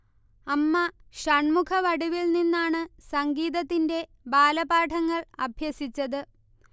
അമ്മ ഷൺമുഖവടിവിൽ നിന്നാണ് സംഗീതത്തിന്റെ ബാലപാഠങ്ങൾ അഭ്യസിച്ചത്